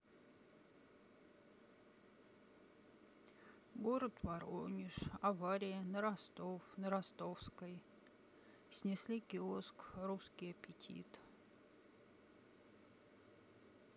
город воронеж авария на ростов на ростовской снесли киоск русский аппетит